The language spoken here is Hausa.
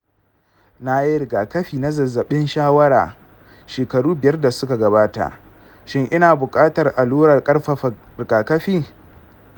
na yi rigakafi na zazzabin shawara shekaru biyar da suka gabata; shin ina bukatar alluran ƙarfafa rigakafi?